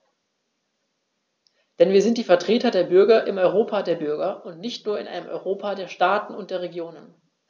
Denn wir sind die Vertreter der Bürger im Europa der Bürger und nicht nur in einem Europa der Staaten und der Regionen.